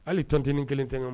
Hali tɔntini kelen tɛ kan